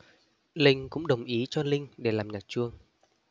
linh cũng đồng ý cho link để làm nhạc chuông